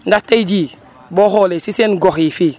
ndax tey jii boo xoolee si seen gox ti fii